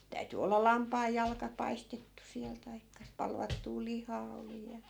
täytyi olla lampaanjalka paistettu siellä tai palvattua lihaa oli ja